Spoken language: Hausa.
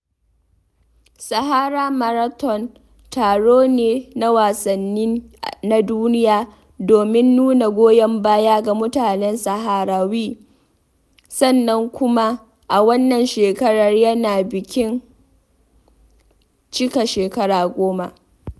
Sahara Marathon taro ne na wasanni na duniya domin nuna goyon baya ga mutanen Saharawi, sannan kuma a wannan shekarar yana bikin cika shekara goma.